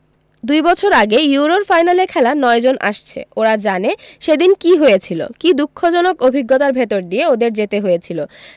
দুই বছর আগে ইউরোর ফাইনালে খেলা ৯ জন আসছে ওরা জানে সেদিন কী হয়েছিল কী দুঃখজনক অভিজ্ঞতার ভেতর দিয়ে ওদের যেতে হয়েছিল